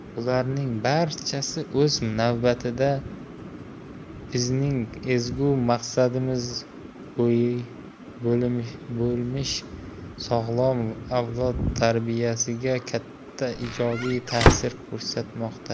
bularning barchasi o'z navbatida bizning ezgu maqsadimiz bo'lmish sog'lom avlod tarbiyasiga katta ijobiy ta'sir ko'rsatmoqda